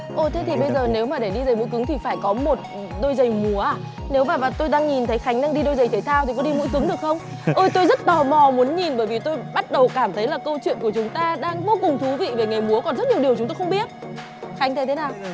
ô thế thì bây giờ nếu mà để đi giày mũi cứng thì phải có một đôi giày múa à nếu và và tôi đang nhìn thấy khánh đang đi đôi giày thể thao thì có đi mũi cứng được không ôi tôi rất tò mò muốn nhìn bởi vì tôi bắt đầu cảm thấy là câu chuyện của chúng ta đang vô cùng thú vị về nghề múa còn rất nhiều điều chúng tôi không biết khánh thấy thế nào